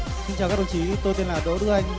xin chào các đồng chí tôi tên là đỗ đức anh